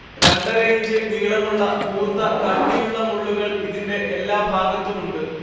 രണ്ടരയിഞ്ച് നീളമുള്ള കൂർത്ത കട്ടിയുള്ള മുള്ളുകൾ ഇതിന്റെ എല്ലാഭാഗത്തുമുണ്ട്